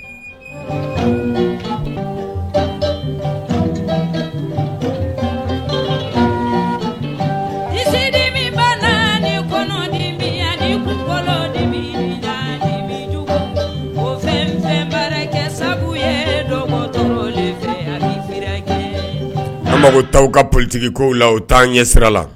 Di ni kɔnɔndi nikolondijugu ko fɛnba kɛ sago ye dɔgɔtɔrɔ bɛ sira kɛ an mago taa ka politigi kow la u t' an ɲɛ sira la